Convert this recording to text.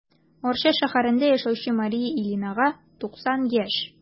Арча шәһәрендә яшәүче Мария Ильинага 90 яшь.